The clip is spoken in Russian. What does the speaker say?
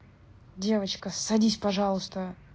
девочка садись пожалуйста